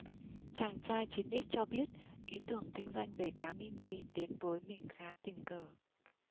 chàng trai chín x cho biết ý tưởng kinh doanh bể cá mini đến với mình khá tình cờ